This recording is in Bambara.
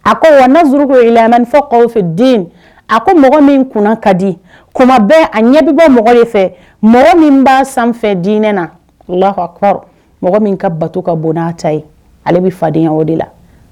A ko wa n na suru ko e la a fɔ aw fɛ den a ko mɔgɔ min kunna ka di kɔma bɛɛ a ɲɛ bɛ bɔ mɔgɔ de fɛ mɔgɔ min b' sanfɛ dinɛ na lafa kɔrɔ mɔgɔ min ka bato ka bon ta ye ale bɛ fadenya o de la